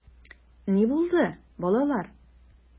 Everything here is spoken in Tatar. Ни булды, балалар?